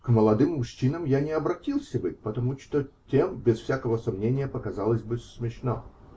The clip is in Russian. К молодым мужчинам я не обратился бы, потому что тем, без всякого сомнения, показалось бы смешно.